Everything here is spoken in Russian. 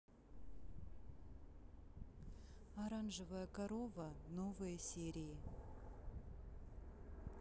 оранжевая корова новые серии